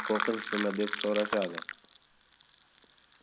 qo'rqinchlimi deb so'rashadi